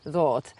ddod